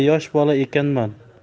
yosh bola ekanman